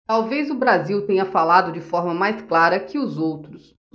talvez o brasil tenha falado de forma mais clara que os outros